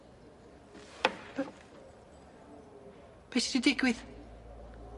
By-... Be' sy 'di digwydd?